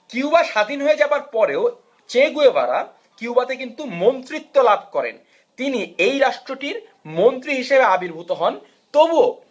Cuba স্বাধীন হয়ে যাবার পরেও চে গুয়েভারা কিউবাতে কিন্তু মন্ত্রিত্ব লাভ করেন তিনি এই রাষ্ট্রটির মন্ত্রী হিসেবে আবির্ভূত হন তবুও